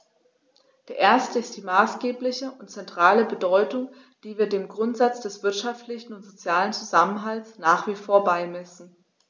Der erste ist die maßgebliche und zentrale Bedeutung, die wir dem Grundsatz des wirtschaftlichen und sozialen Zusammenhalts nach wie vor beimessen.